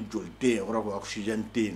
Jɔ den yɔrɔ' a kasijan den yen